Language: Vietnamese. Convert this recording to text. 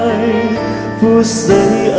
ấy giờ